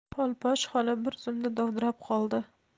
xolposh xola bir zum dovdirab qoldi